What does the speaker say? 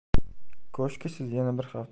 koshki siz yana bir hafta